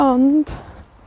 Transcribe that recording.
Ond,